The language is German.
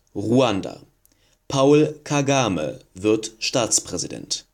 Ruanda: Paul Kagame wird Staatspräsident